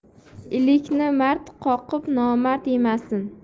ilikni mard qoqib nomard yemasin